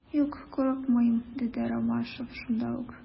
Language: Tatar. Юк, курыкмыйм, - диде Ромашов шунда ук.